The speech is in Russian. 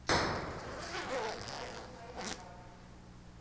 понимаем майнкрафт